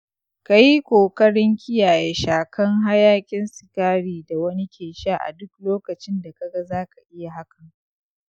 kayi kokarin kiyaye shakan hayakin sigari da wani ke sha a duk lokacin da kaga zaka iya hakan.